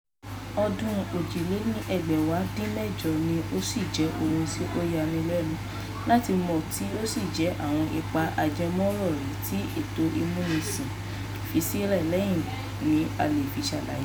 Ọdún 2012 ni, ó sì jẹ́ ohun tí ó yani lẹ́nu láti mọ̀ tí ó sì jẹ́ pé àwọn ipa ajẹmọ́ròrí tí ètò ìmúnisìn fi sílẹ̀ lẹ́yìn ni a lè fi ṣe àlàyé rẹ̀.